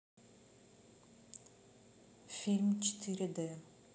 фильм четыре д